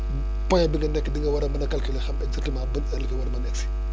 point bi nga nekk dinga war a mën a calculer xam exactement ban heure la war a mën a egg si